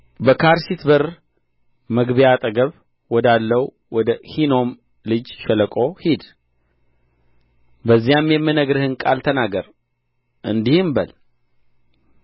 በካርሲት በር መግቢያ አጠገብ ወዳለው ወደ ሄኖም ልጅ ሸለቆ ሂድ በዚያም የምነግርህን ቃል ተናገር እንዲህም በል